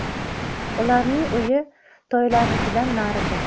ularning uyi toylarnikidan narida